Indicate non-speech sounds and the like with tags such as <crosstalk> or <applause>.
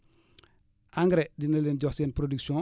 <smacks lips> engrais dina leen jox seen p)roduction